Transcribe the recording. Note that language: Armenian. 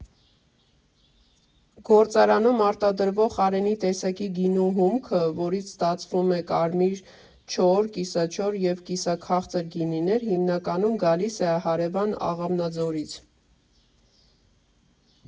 Գործարանում արտադրվող Արենի տեսակի գինու հումքը, որից ստացվում է կարմիր չոր, կիսաչոր և կիսաքաղցր գինիներ, հիմնականում գալիս է հարևան Աղավնաձորից։